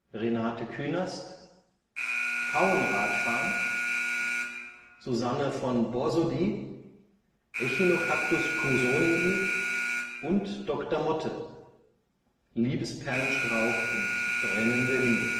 Renate Künast (Pfauenradfarn), Suzanne von Borsody (Echinocactus grusonii) und Dr. Motte (Liebesperlenstrauch und Brennende Liebe